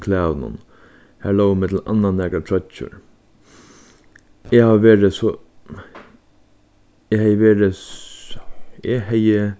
klæðunum har lógu millum annað nakrar troyggjur eg havi verið so nei eg hevði verið eg hevði